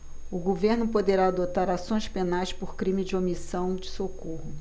o governo poderá adotar ações penais por crime de omissão de socorro